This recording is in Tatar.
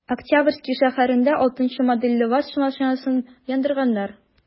Октябрьский шәһәрендә 6 нчы модельле ваз машинасын яндырганнар.